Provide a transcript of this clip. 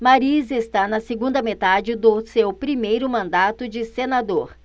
mariz está na segunda metade do seu primeiro mandato de senador